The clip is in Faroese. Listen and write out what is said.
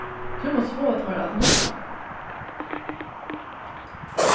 tú mást fáa teir at lurta